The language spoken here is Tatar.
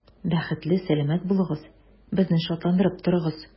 Бәхетле, сәламәт булыгыз, безне шатландырып торыгыз.